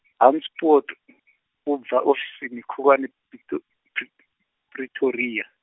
Hans Poot, u bva ofisini khulwane Pito, Pi- Pretoria.